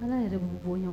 Ala yɛrɛ b' bɔ ɲɔgɔn